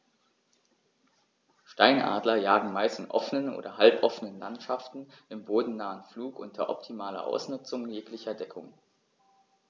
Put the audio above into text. Steinadler jagen meist in offenen oder halboffenen Landschaften im bodennahen Flug unter optimaler Ausnutzung jeglicher Deckung.